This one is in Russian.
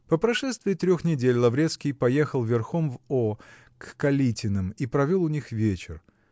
По прошествии трех недель Лаврецкий поехал верхом в О. к Калитиным и провел у них вечер.